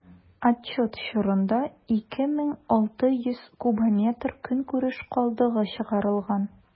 Отчет чорында 2600 кубометр көнкүреш калдыгы чыгарылган.